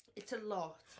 It's a lot.